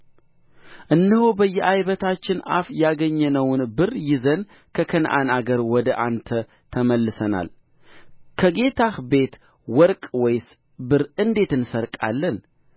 እነሆ በዓይበታችን አፍ ያገኘነውን ብር ይዘን ከከነዓን አገር ወደ አንተ ተመልሰናል ከጌታህ ቤት ወርቅ ወይስ ብር እንዴት እንሰርቃለን